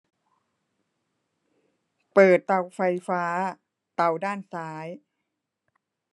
เปิดเตาไฟฟ้าเตาด้านซ้าย